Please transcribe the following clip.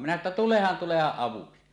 minä että tulehan tulehan avuksi